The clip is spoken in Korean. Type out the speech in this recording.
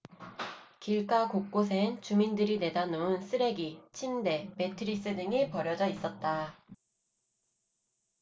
길가 곳곳엔 주민들이 내다 놓은 쓰레기 침대 매트리스 등이 버려져 있었다